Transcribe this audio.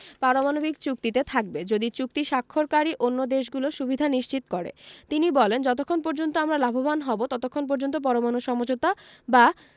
পারমাণবিক চুক্তিতে থাকবে যদি চুক্তি স্বাক্ষরকারী অন্য দেশগুলো সুবিধা নিশ্চিত করে তিনি বলেন যতক্ষণ পর্যন্ত আমরা লাভবান হব ততক্ষণ পর্যন্ত পরমাণু সমঝোতা বা